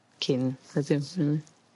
Cyn heddiw rili/